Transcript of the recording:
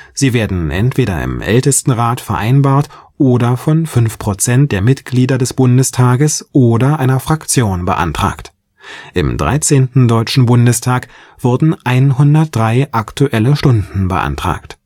Sie werden entweder im Ältestenrat vereinbart oder von fünf Prozent der Mitglieder des Bundestages oder einer Fraktion beantragt. Im 13. Deutschen Bundestag wurden 103 Aktuelle Stunden beantragt